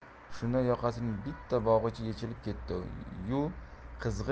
shunda yoqasining bitta bog'ichi yechilib ketdi